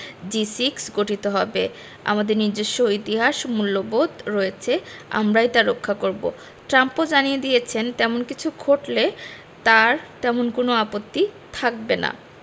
জি ৬ গঠিত হবে আমাদের নিজস্ব ইতিহাস মূল্যবোধ রয়েছে আমরাই তা রক্ষা করব ট্রাম্পও জানিয়ে দিয়েছেন তেমন কিছু ঘটলে তাঁর তেমন কোনো আপত্তি থাকবে না